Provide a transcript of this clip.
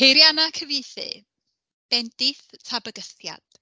Peiriannau cyfieithu, bendith ta bygythiad?